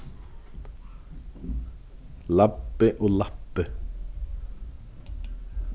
labbi og lappi